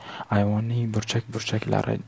ayvonning burchak burchaklari